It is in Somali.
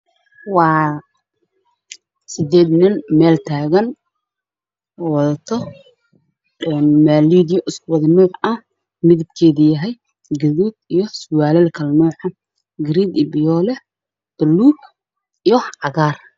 Meeshaan waxaa ka muuqdo 8 wiil oo Meel taagan oo qabto fanaanado guduud ah